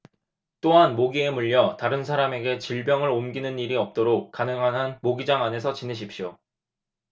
또한 모기에 물려 다른 사람에게 질병을 옮기는 일이 없도록 가능한 한 모기장 안에서 지내십시오